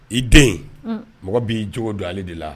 I den mɔgɔ b'i jo don ale de la